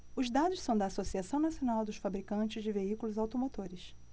os dados são da anfavea associação nacional dos fabricantes de veículos automotores